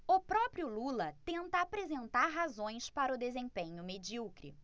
o próprio lula tenta apresentar razões para o desempenho medíocre